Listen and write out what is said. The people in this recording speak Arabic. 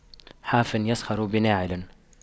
حافٍ يسخر بناعل